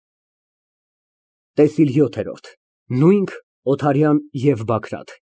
ՏԵՍԻԼ ՅՈԹԵՐՐՈՐԴ ՆՈՒՅՆՔ ԵՎ ՕԹԱՐՅԱՆ ԵՎ ԲԱԳՐԱՏ։